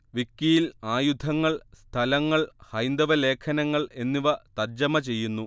വിക്കിയിൽ ആയുധങ്ങൾ സ്ഥലങ്ങൾ ഹൈന്ദവ ലേഖനങ്ങൾ എന്നിവ തർജ്ജമ ചെയ്യുന്നു